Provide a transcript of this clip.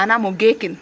manaam o geekin.